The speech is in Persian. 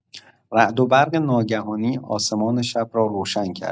رعد و برق ناگهانی آسمان شب را روشن کرد.